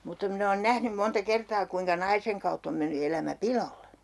mutta minä olen nähnyt monta kertaa kuinka naisen kautta on mennyt elämä piloille